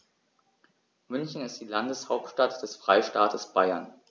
München ist die Landeshauptstadt des Freistaates Bayern.